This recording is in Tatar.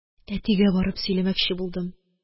Әтигә барып сөйләмәкче булдым.